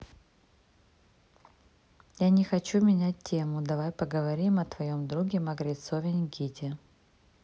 я не хочу менять тему давай поговорим о твоем друге мокрецове никите